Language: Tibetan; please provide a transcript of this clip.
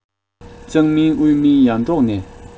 གཙང མིན དབུས མིན ཡར འབྲོག ནས